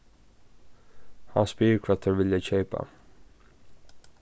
hann spyr hvat teir vilja keypa